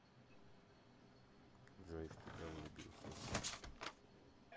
джой в тебя влюбился в сбер